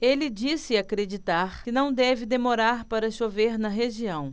ele disse acreditar que não deve demorar para chover na região